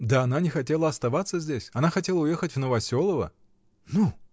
— Да она не хотела оставаться здесь: она хотела уехать в Новоселово. — Ну?